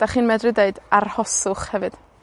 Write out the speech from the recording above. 'Dach chi'n medru deud arhoswch hefyd.